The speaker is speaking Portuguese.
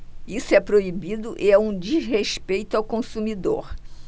isso é proibido e é um desrespeito ao consumidor